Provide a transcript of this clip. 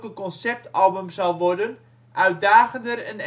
conceptalbum zal worden, " uitdagender en